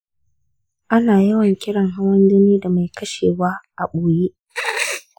ana yawan kiran hawan jini da ‘mai kashewa a ɓoye.